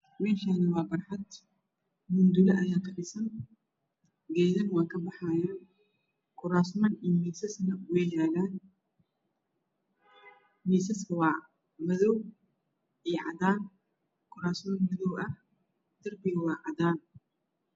Meeshaani waa barxad mundulo ayaa ka dhisan geedana way ka baxayaan kuraasman iyo miisas way yalan misaska waa madow iyo cadaan kuraasman madow ah darbiga waa cadaan